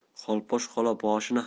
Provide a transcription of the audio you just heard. xolposh xola boshini